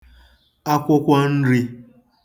akwụkwọ nrī